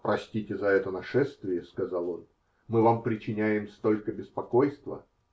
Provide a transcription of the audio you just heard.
-- Простите за это нашествие, -- сказал он, -- мы вам причиняем столько беспокойства!